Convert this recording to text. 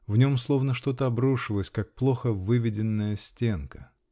В нем словно что-то обрушилось, как плохо выведенная стенка.